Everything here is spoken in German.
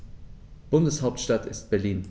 Bundeshauptstadt ist Berlin.